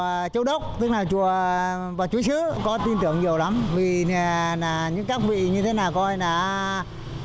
châu đốc tức là chùa bà chuối sứa có tin tưởng nhiều lắm vì là là những các vị như thế nào gọi là